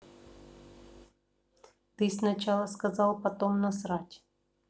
ты сначала сказал потом насрать